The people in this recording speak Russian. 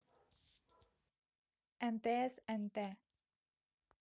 нтс нт